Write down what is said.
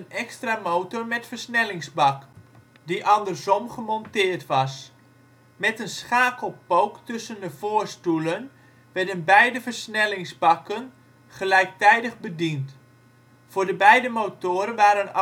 extra motor met versnellingsbak, die andersom gemonteerd was. Met een schakelpook tussen de voorstoelen werden beide versnellingsbakken gelijktijdig bediend. Voor de beide motoren waren